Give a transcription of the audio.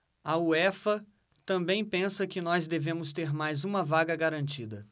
a uefa também pensa que nós devemos ter mais uma vaga garantida